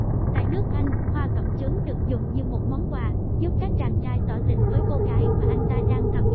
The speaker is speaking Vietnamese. tại nước anh hoa cẩm chướng được dùng làm món quà bày tỏ tình cảm của chàng trai đến cô gái mà anh ta thầm yêu